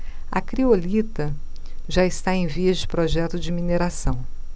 a criolita já está em vias de projeto de mineração